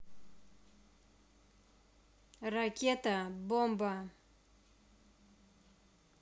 ракета бомба